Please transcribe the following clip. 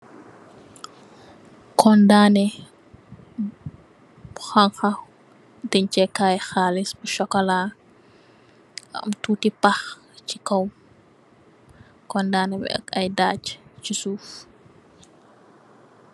Kondaneh bu xongo, denchekay xallis bu sokola am tuti pah ci kaw kondahneh bi ak ayi dach ci suff.